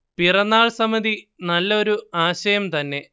പിറന്നാൾ സമിതി നല്ലൊരു ആശയം തന്നെ